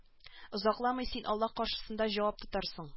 Озакламый син аллаһ каршысында җавап тотарсың